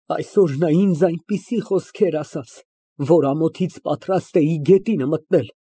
Այսօր նա ինձ այնպիսի խոսքեր ասաց, որ ամոթից պատրաստ էի գետինը մտնել։